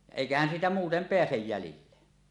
ja eiköhän siitä muuten pääse jäljille